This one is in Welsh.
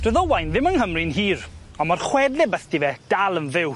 Do'dd Owain ddim yng Nghymru'n hir on' ma'r chwedle ambythdi fe dal yn fyw.